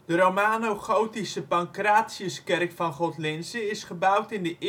romanogotische Pancratiuskerk van Godlinze is gebouwd in de